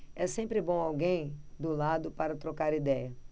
é sempre bom alguém do lado para trocar idéia